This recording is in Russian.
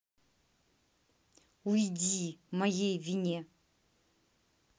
уйди моей вине